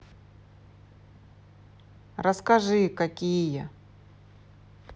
расскажи какие